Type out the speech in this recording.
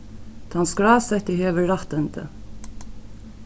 tann skrásetti hevur rættindi